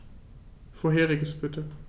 Vorheriges bitte.